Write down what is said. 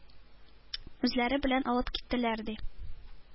Үзләре белән алып киттеләр, ди,